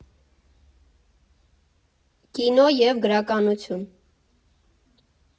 Կինո և գրականություն։